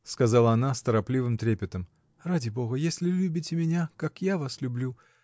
— сказала она с торопливым трепетом, — ради Бога, если любите меня, как я вас люблю.